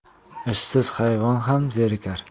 ishsiz hayvon ham zerikar